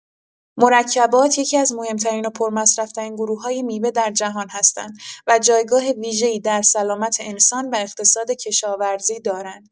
مرکبات یکی‌از مهم‌ترین و پرمصرف‌ترین گروه‌های میوه در جهان هستند و جایگاه ویژه‌ای در سلامت انسان و اقتصاد کشاورزی دارند.